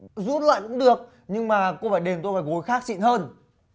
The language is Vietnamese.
rút lại cũng được nhưng mà cô phải đền tôi cái gối khác xịn hơn